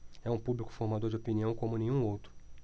é um público formador de opinião como nenhum outro